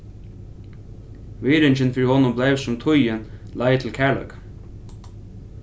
virðingin fyri honum bleiv sum tíðin leið til kærleika